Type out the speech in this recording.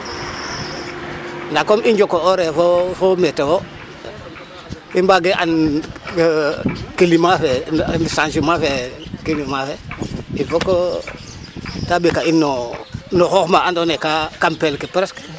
Ndaa comme i njokooree fo météo i mbagee and climat fe changement fe climent fe il faut que ta ɓeka in no xoox ma andoona yee kam peel ke presque.